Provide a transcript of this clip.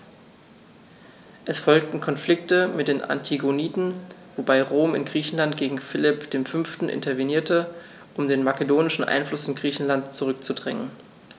Es folgten Konflikte mit den Antigoniden, wobei Rom in Griechenland gegen Philipp V. intervenierte, um den makedonischen Einfluss in Griechenland zurückzudrängen.